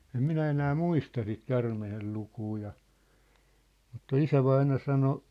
en minä enää muista sitä käärmeen lukua ja mutta isävainaja sanoi